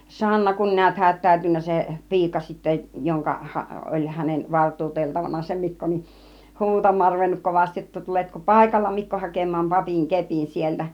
Sanna kun näet hätääntynyt se piika sitten jonka - oli hänen valtuuteltavana se Mikko niin huutamaan ruvennut kovasti jotta tuletko paikalla Mikko hakemaan papin kepin sieltä